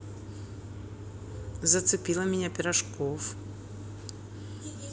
зацепила меня пирожков